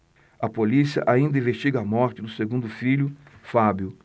a polícia ainda investiga a morte do segundo filho fábio